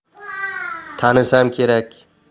tanisam kerak